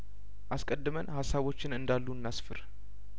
አስቀድመን ሀሳቦችን እንዳሉ እናስፍር